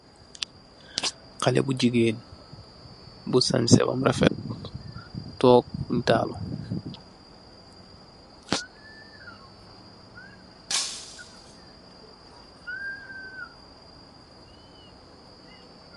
Xaleh bu jigeen bu sanseh beem refet tog netaalu.